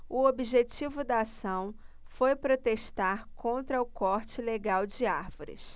o objetivo da ação foi protestar contra o corte ilegal de árvores